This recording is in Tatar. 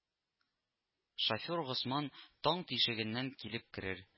Шофер Госман таң тишегеннән килеп керер